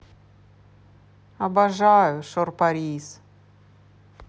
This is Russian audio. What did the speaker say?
обожаю шорпарис